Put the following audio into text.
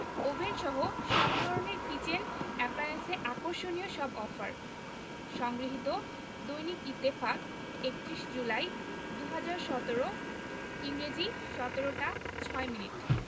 ওভেনসহ সব ধরনের কিচেন অ্যাপ্লায়েন্সে আকর্ষণীয় সব অফার সংগৃহীত দৈনিক ইত্তেফাক ৩১ জুলাই ২০১৭ ইংরেজি ১৭ টা ৬ মিনিট